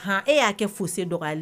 H e y'a kɛ foyi dɔgɔ la